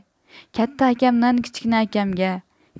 katta akamdan kichkina akamga